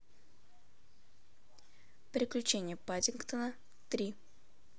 приключения паддингтона три